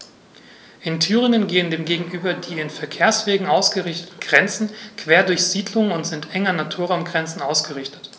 In Thüringen gehen dem gegenüber die an Verkehrswegen ausgerichteten Grenzen quer durch Siedlungen und sind eng an Naturraumgrenzen ausgerichtet.